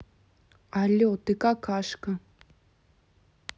але ты какашка